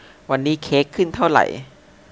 วันนี้เค้กขึ้นเท่าไหร่